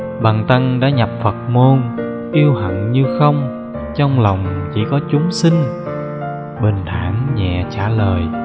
bần tăng đã nhập phật môn yêu hận như không trong lòng chỉ có chúng sinh bình thản nhẹ trả lời